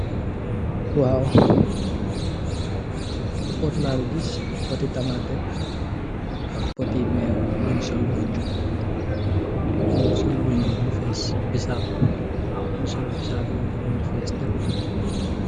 Waw pot laafi gis, poti tamateh ak poti mewww bun sol wonjoh waw, bun sol wonjoh behm fess bissap, bun sol bissap wonjoh behm fess tehpp.